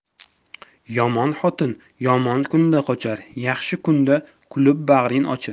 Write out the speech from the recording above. yomon xotin yomon kunda qochar yaxshi kunda kulib bag'rin ochar